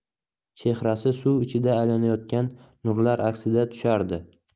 chehrasi suv ichida aylanayotgan nurlar aksida tushardi